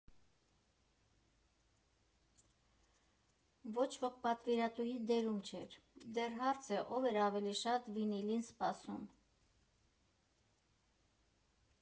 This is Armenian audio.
Ոչ ոք պատվիրատուի դերում չէր, դեռ հարց է՝ ով էր ավելի շատ վինիլին սպասում։